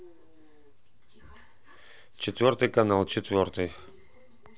четвертый канал четвертый